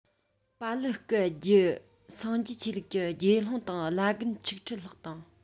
པ ལི སྐད རྒྱུད སངས རྒྱས ཆོས ལུགས ཀྱི དགེ སློང དང བླ རྒན ཆིག ཁྲི ལྷག དང